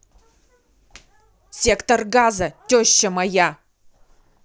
сектор газа теща моя